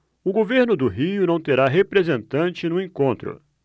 o governo do rio não terá representante no encontro